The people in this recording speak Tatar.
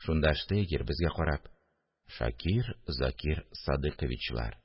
Шунда штейгер, безгә карап: – Шакир, Закир Садыйковичлар